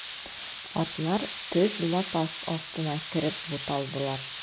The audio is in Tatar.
Атлар төз лапас астына кереп буталдылар.